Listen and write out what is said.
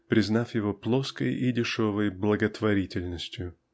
признав его плоской и дешевой "благотворительностью".